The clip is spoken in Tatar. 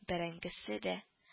-бәрәңгесе дә